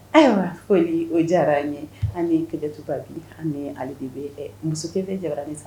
Ayiwa foli o diyara an n ye an kelɛ tu pabi an alibi bɛ muso bɛ jarayara san